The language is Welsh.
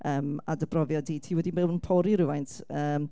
Yym a dy brofiad di ti wedi bod yn pori rywfaint yym...